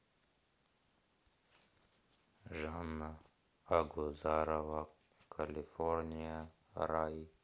жанна агузарова калифорния рай